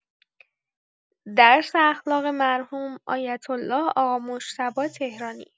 درس اخلاق مرحوم آیت‌الله آقا مجتبی تهرانی.